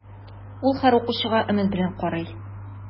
Ул һәр укучыга өмет белән карый.